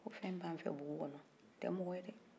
ko fɛn min b'anw fɛ bugu kɔnɔ tɛ mɔgɔ ye dɛ